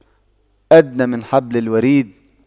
أدنى من حبل الوريد